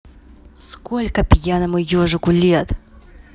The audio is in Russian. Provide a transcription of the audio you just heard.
сколько пьяному ежику лет